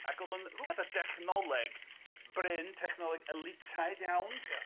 Ac oedd o'n ryw fath o dechnoleg brin, technoleg elitaidd iawn... Ie.